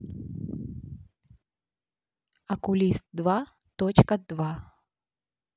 окулист два точка два